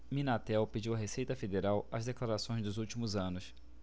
minatel pediu à receita federal as declarações dos últimos anos